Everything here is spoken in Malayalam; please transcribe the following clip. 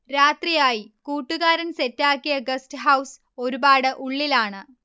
രാത്രിയായി, കൂട്ടുകാരൻ സെറ്റാക്കിയ ഗസ്റ്റ് ഹൌസ് ഒരു പാട് ഉള്ളിലാണ്